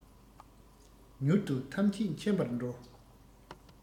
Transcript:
མྱུར དུ ཐམས ཅད མཁྱེན པར འགྲོ